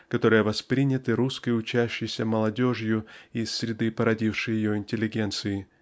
которые восприняты русской учащейся молодежью из среды породившей ее интеллигенции.